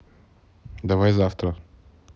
давай завтра